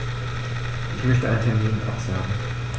Ich möchte einen Termin absagen.